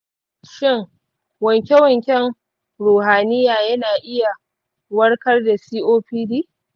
shin wanke-wanken ruhaniya yana iya warkar da copd?